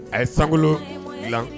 A ye sankolo dilan